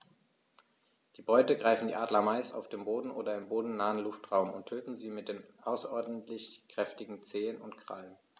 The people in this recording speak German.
Die Beute greifen die Adler meist auf dem Boden oder im bodennahen Luftraum und töten sie mit den außerordentlich kräftigen Zehen und Krallen.